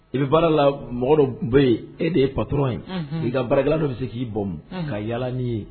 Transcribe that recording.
I bɛ baara la mɔgɔ bɛ yen e de ye kumato ye k'i ka baarakɛla dɔ bɛ se k'i bɔ ka yaa ni'i ye